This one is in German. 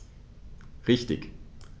Richtig